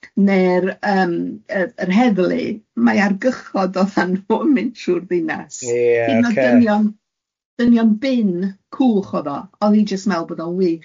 Ne'r yym yy yr heddlu, mae argychod oedden nhw'n mynd trwy'r ddinas... Ie ocê. ...hyd yn oed dynion dynion bin, cwch oedd o, oedd hi jyst yn meddwl bod o'n wych.